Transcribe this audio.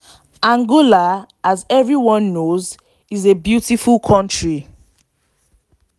Angola, as everyone knows, is a beautiful country.